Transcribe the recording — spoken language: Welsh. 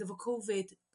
efo covid